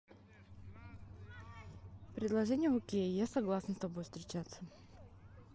предложение окей я согласна с тобой встречаться